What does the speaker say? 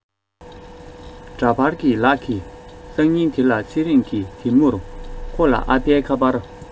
འདྲ པར གྱི ལག གི སང ཉིན དེ ལ ཚེ རིང གི དེ མྱུར ཁོ ལ ཨ ཕའི ཁ པར